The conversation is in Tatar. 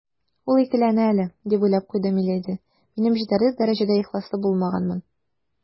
«ул икеләнә әле, - дип уйлап куйды миледи, - минем җитәрлек дәрәҗәдә ихласлы булмаганмын».